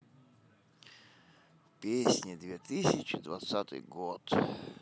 песни две тысячи двадцатый год